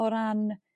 o ran